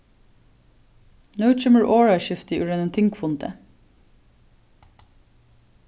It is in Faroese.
nú kemur orðaskifti úr einum tingfundi